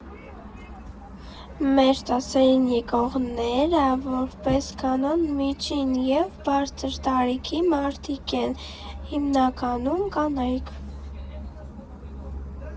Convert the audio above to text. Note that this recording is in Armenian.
Մեր դասերին եկողները, որպես կանոն, միջին և բարձր տարիքի մարդիկ են, հիմնականում՝ կանայք։